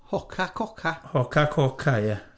Hocacoca?... Hocacoca, ie.